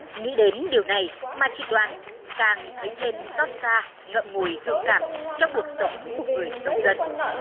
nghĩ đến điều này mà chị đoàn càng thấy thêm xót xa ngậm ngùi thương cảm cho cuộc sống của người nông dân